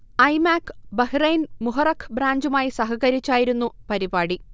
ഐമാക്ക് Bahrain Muharraq ബ്രാഞ്ചുമായി സഹകരിച്ചായിരുന്നു പരിപാടി